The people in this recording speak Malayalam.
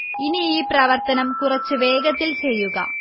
ഇനി ഈ പ്രവർത്തനം കുറച്ച് വേഗത്തിൽ ചെയ്യുക